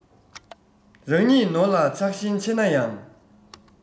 རང ཉིད ནོར ལ ཆགས ཞེན ཆེ ན ཡང